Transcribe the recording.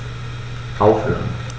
Aufhören.